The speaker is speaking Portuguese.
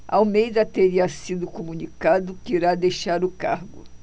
almeida teria sido comunicado que irá deixar o cargo